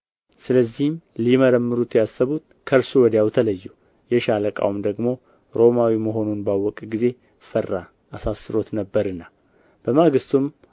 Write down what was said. ስለዚህም ሊመረምሩት ያሰቡት ከእርሱ ወዲያው ተለዩ የሻለቃውም ደግሞ ሮማዊ መሆኑን ባወቀ ጊዜ ፈራ አሳስሮት ነበርና በማግሥቱም